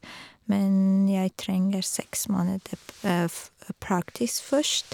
Men jeg trenger seks måneder p f praksis først.